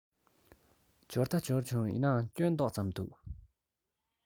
འབྱོར ད འབྱོར བྱུང ཡིན ནའི སྐྱོན ཏོག ཙམ འདུག